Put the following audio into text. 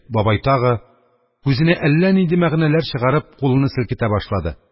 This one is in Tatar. Бабай тагы, күзенә әллә нинди мәгънәләр чыгарып, кулыны селкетә башлады